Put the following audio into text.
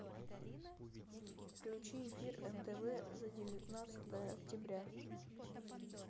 включи эфир нтв за девятнадцатое октября